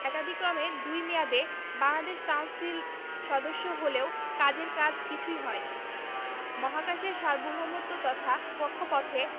এ একাদিক্রমে দুই মেয়াদে বাংলাদেশ কাউন্সিল সদস্য হলেও কাজের কাজ কিছুই হয়নি মহাকাশের সার্বভৌমত্ব তথা কক্ষপথে